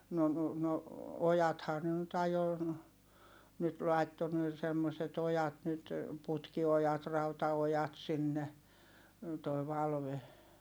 no no ojathan ne nyt ajoi nyt laittoi ne semmoiset ojat nyt putkiojat rautaojat sinne tuo Valve